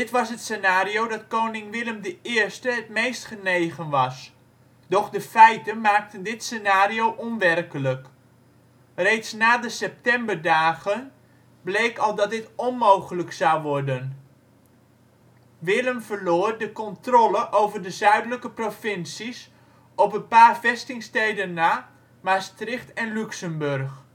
was het scenario dat koning Willem I het meest genegen was. Doch de feiten maakten dit scenario onwerkelijk. Reeds na de Septemberdagen bleek al dat dit onmogelijk zou worden: Willem verloor de controle over de zuidelijke provincies, op een paar vestingsteden na (Maastricht en Luxemburg